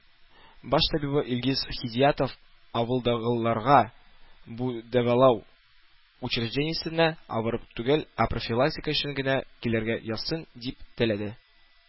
Баш табибы Илгиз Хидиятов авылдагыларга бу дәвалау учреждениесенә авырып түгел, ә профилактика өчен генә килергә язсын, дип теләде.